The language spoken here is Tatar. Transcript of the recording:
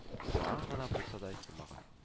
Саран гына булса да елмаган